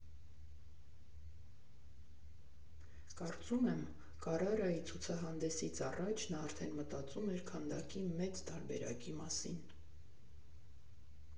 Կարծում եմ՝ Կարարայի ցուցահանդեսից առաջ նա արդեն մտածում էր քանդակի մեծ տարբերակի մասին։